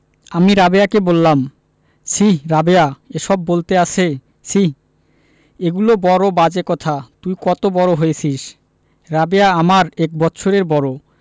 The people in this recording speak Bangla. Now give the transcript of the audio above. আমি রাবেয়াকে বললাম ছিঃ রাবেয়া এসব বলতে আছে ছিঃ এগুলি বড় বাজে কথা তুই কত বড় হয়েছিস রাবেয়া আমার এক বৎসরের বড়